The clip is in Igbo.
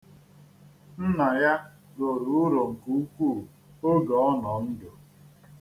Nna ya roro uro nke ukwu oge ọ nọ ndụ.